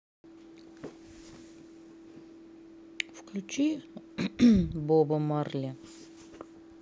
включи боба марли